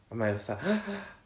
a mae o fatha